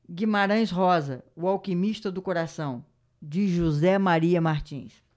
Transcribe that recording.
guimarães rosa o alquimista do coração de josé maria martins